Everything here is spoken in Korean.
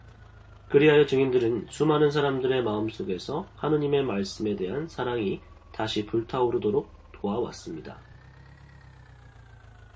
그리하여 증인들은 수많은 사람들의 마음속에서 하느님의 말씀에 대한 사랑이 다시 불타오르도록 도와 왔습니다